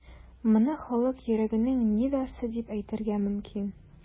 Моны халык йөрәгенең нидасы дип әйтергә мөмкин.